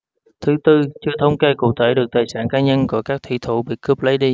thứ tư chưa thống kê cụ thể được tài sản cá nhân của các thủy thủ bị cướp lấy đi